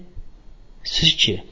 siz chi